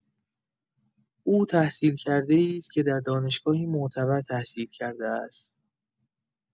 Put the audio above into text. او تحصیل‌کرده‌ای است که در دانشگاهی معتبر تحصیل کرده است.